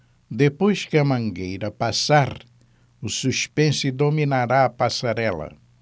depois que a mangueira passar o suspense dominará a passarela